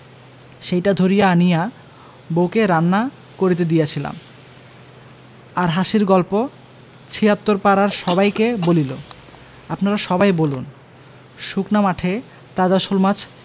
সেইটি ধরিয়া আনিয়া বউকে রান্না করিতে দিয়াছিলাম আর হাসির গল্প ৭৬ পাড়ার সবাইকে বলিল আপনারা সবাই বলুন শুকনা মাঠে তাজা শোলমাছ